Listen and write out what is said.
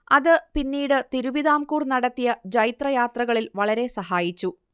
അത് പിന്നീട് തിരുവിതാംകൂർ നടത്തിയ ജൈത്രയാത്രകളിൽ വളരെ സഹായിച്ചു